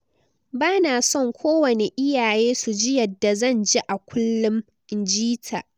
"Ba na son kowane iyaye su ji yadda zan ji a kullun," in ji ta.